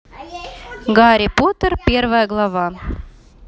гарри поттер первая глава